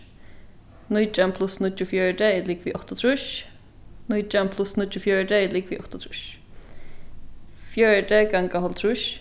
nítjan pluss níggjuogfjøruti er ligvið áttaogtrýss nítjan pluss níggjuogfjøruti er ligvið áttaogtrýss fjøruti ganga hálvtrýss